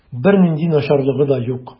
Бернинди начарлыгы да юк.